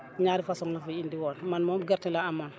ñaari façon lañ fi indi woon man moom gerte laa amoon